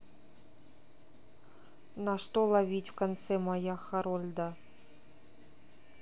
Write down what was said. на что ловить в конце мая харольда